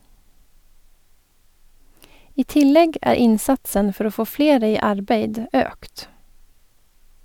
I tillegg er innsatsen for å få flere i arbeid økt.